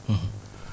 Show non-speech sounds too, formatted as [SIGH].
[HESITATION] [HESITATION]